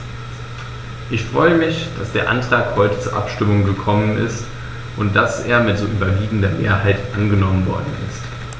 Ich freue mich, dass der Antrag heute zur Abstimmung gekommen ist und dass er mit so überwiegender Mehrheit angenommen worden ist.